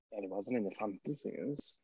Well, it wasn't in the fantasies.